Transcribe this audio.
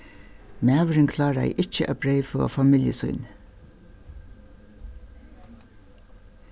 maðurin kláraði ikki at breyðføða familju síni